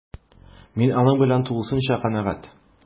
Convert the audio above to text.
Мин аның белән тулысынча канәгать: